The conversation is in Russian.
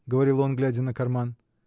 — говорил он, глядя на карман.